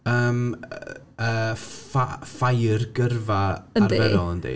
yym yy ffa- ffair gyrfa ...Yndi... arferol yndy?